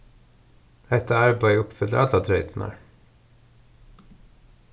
hetta arbeiðið uppfyllir allar treytirnar